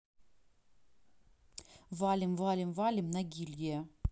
валим валим валим на гильдия